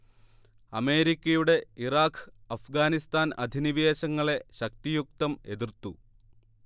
അമേരിക്കയുടെ ഇറാഖ് അഫ്ഗാനിസ്താൻ അധിനിവേശങ്ങളെ ശക്തിയുക്തം എതിർത്തു